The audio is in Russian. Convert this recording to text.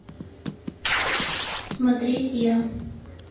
смотреть я